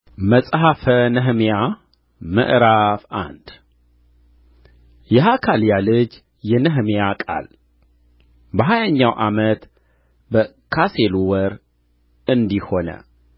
መጽሐፈ ነህምያ ምዕራፍ አንድ የሐካልያ ልጅ የነህምያ ቃል በሀያኛው ዓመት በካሴሉ ወር እንዲህ ሆነ